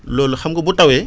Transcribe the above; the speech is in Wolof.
loolu xam nga bu tawee